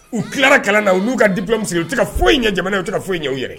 U kila la kalan na . U nu ka diplômé sigilen bɛ . U ti ka foyi ɲɛ jamana ye, u ti ka foyi ɲɛ u yɛrɛ.